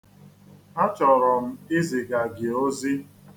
Achọrọ m iziga gị ozi.